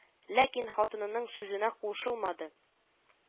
Ләкин хатынының сүзенә кушылмады